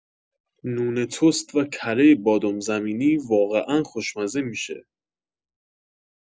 نون تست و کره بادوم زمینی واقعا خوشمزه می‌شه